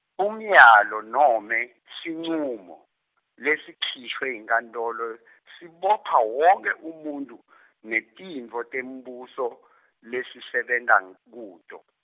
Umyalo nome sincumo lesikhishwe yinkantolo sibopha wonkhe umuntfu netintfo tembuso lesisebenta kuto.